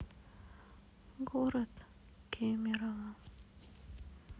город кемерово